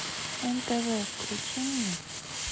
нтв включи мне